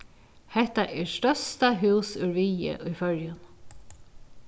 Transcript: hetta er størsta hús úr viði í føroyum